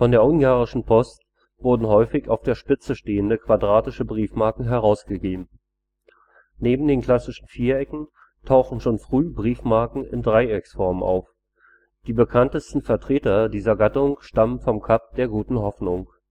der ungarischen Post wurden häufig auf der Spitze stehende quadratische Briefmarken herausgegeben. Neben den klassischen Vierecken tauchen schon früh Briefmarken in Dreiecksform auf; die bekanntesten Vertreter dieser Gattung stammen vom Kap der Guten Hoffnung